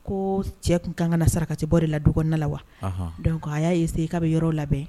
Ko cɛ ka ka na sarakatibɔ de la du la wa dɔn ko a y'ise k'a bɛ yɔrɔ labɛn